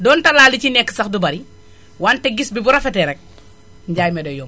donte daal li ciy nekk sax du bari wante gis bi bu rafetee rekk njaay ma day yomb